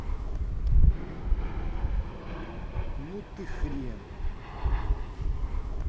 ну ты хрен